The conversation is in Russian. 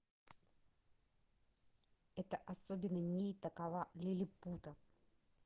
это особенно ней такова лилипутов